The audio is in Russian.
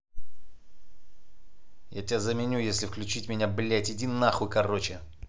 я тебя заменю если включить меня блядь иди нахуй кароче